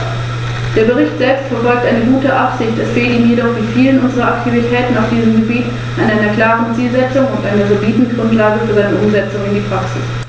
Was den Zeitpunkt betrifft, so ist hier der Bericht während der Behandlung zu umfangreich geraten, wobei Detailfragen und Aspekte aufgenommen wurden, die schon in früheren Berichten enthalten waren.